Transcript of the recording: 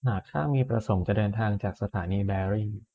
หากข้ามีประสงค์จะเดินทางจากสถานีแบริ่ง